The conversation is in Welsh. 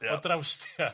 Ia. O drawstia!